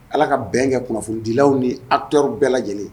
Ala ka bɛn kɛ kunnafonidilaw ni acteur u bɛɛ lajɛlen ye